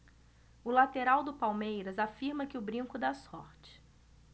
o lateral do palmeiras afirma que o brinco dá sorte